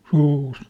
susi